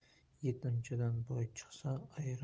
yetimchadan boy chiqsa